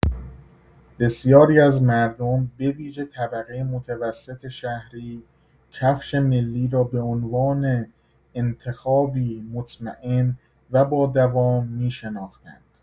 بسیاری از مردم، به‌ویژه طبقه متوسط شهری، کفش ملی را به‌عنوان انتخابی مطمئن و بادوام می‌شناختند.